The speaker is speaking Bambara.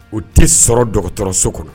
U tɛ sɔrɔ dɔgɔtɔrɔso kɔnɔ